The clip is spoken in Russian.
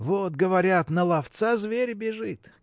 Вот, говорят, на ловца зверь бежит!